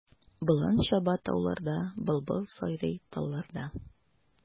Болан чаба тауларда, былбыл сайрый талларда.